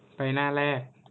ไปหน้าแรก